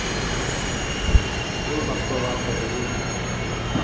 skúlastovan er ov lítil